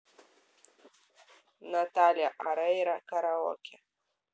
наталья орейро караоке